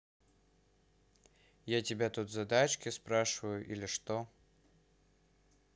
я тебя тут задачки спрашиваю или что